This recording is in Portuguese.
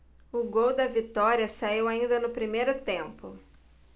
o gol da vitória saiu ainda no primeiro tempo